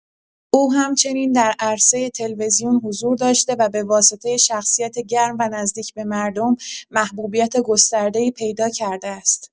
او همچنین در عرصه تلویزیون حضور داشته و به‌واسطه شخصیت گرم و نزدیک به مردم، محبوبیت گسترده‌ای پیدا کرده است.